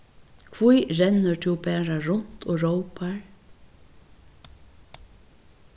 hví rennur tú bara runt og rópar